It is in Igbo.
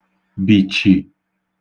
bìchì